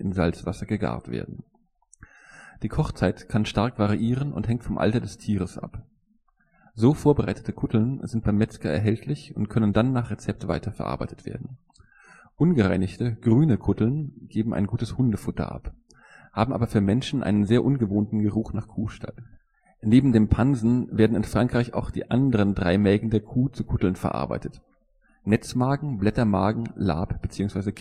Salzwasser gegart werden. Die Kochzeit kann stark variieren und hängt vom Alter des Tieres ab. So vorbereitete Kutteln sind beim Metzger erhältlich und können dann nach Rezept weiterverarbeitet werden. Ungereinigte " grüne " Kutteln geben ein gutes Hundefutter ab, haben aber für Menschen einen sehr ungewohnten Geruch nach Kuhstall. Neben dem Pansen werden in Frankreich auch die anderen drei Mägen der Kuh zu Kutteln verarbeitet: Netzmagen, Blättermagen, Lab - bzw.